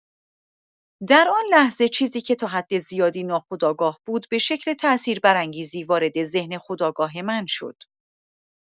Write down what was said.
در آن لحظه، چیزی که تا حد زیادی ناخودآگاه بود به شکل تاثیربرانگیزی وارد ذهن خودآگاه من شد.